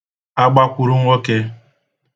agbakwụrụnwokē